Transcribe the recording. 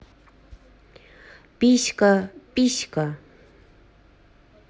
писька писька